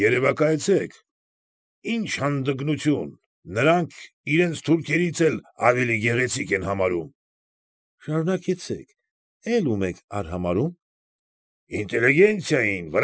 Երևակայեցեք, ի՞նչ հանդգնություն, նրանք իրենց թուրքերից էլ ավելի գեղեցիկ են համարում։ ֊ Շարունակեցեք, էլ ո՞ւմ եք արհամարհում։ ֊ Ինտելիգենցիային։